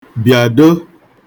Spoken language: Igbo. bịàdo